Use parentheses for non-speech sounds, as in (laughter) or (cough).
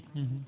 (hesitation) (hesitation)